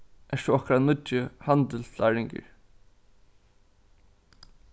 ert tú okkara nýggi handilslærlingur